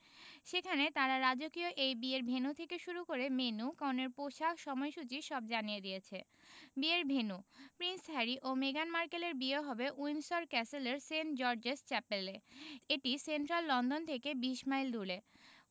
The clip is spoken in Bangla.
সেখানে তারা রাজকীয় এই বিয়ের ভেন্যু থেকে শুরু করে মেন্যু কনের পোশাক সময়সূচী সব জানিয়ে দিয়েছে বিয়ের ভেন্যু প্রিন্স হ্যারি ও মেগান মার্কেলের বিয়ে হবে উইন্ডসর ক্যাসেলের সেন্ট জর্জেস চ্যাপেলে এটি সেন্ট্রাল লন্ডন থেকে ২০ মাইল দূলে